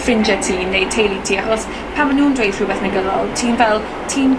ffrindie ti neu teulu ti, achos pan ma' nw'n dweud rhwbeth negyddol ti'n fel ti'n